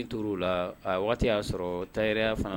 T la waati y'a sɔrɔ tay fana